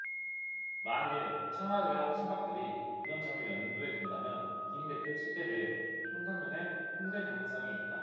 만일 청와대와 친박들이 이런 점을 염두에 둔다면 김 대표 체제를 총선 전에 흔들 가능성이 있다